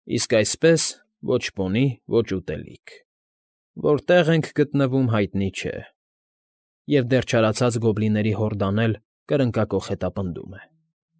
Իսկ այսպես՝ ոչ պոնի, ոչ ուտելիք, որտեղ ենք գտնվում՝ հայտնի չէ, և դեռ չարացած գոբլինների հորդան էլ կրնկակոխ հետապնդում է։